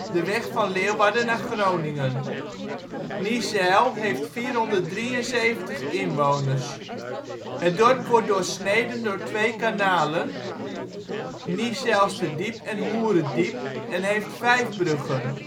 de weg van Leeuwarden naar Groningen. Niezijl heeft 473 inwoners (1 januari 2011). Het dorp wordt doorsneden door twee kanalen, Niezijlsterdiep en Hoerediep, en heeft 5 bruggen